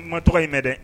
N ma tɔgɔ in mɛn dɛ.